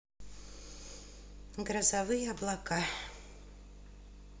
грозовые облака